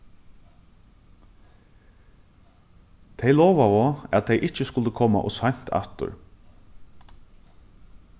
tey lovaðu at tey ikki skuldu koma ov seint aftur